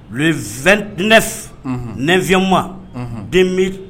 nfma den bɛ